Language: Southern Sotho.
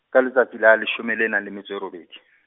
ka letsatsi la leshome le nang le metso e robedi.